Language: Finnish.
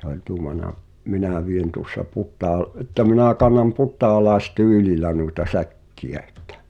se oli tuumannut minä vien tuossa - että minä kannan putaalaistyylillä noita säkkejä että